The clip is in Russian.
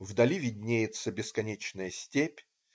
Вдали виднеется бесконечная степь.